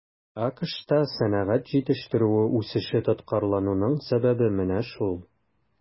АКШта сәнәгать җитештерүе үсеше тоткарлануның сәбәбе менә шул.